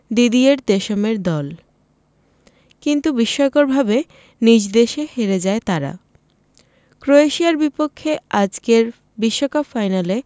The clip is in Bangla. দিদিয়ের দেশমের দল কিন্তু বিস্ময়করভাবে নিজ দেশে হেরে যায় তারা ক্রোয়েশিয়ার বিপক্ষে আজকের বিশ্বকাপ ফাইনালে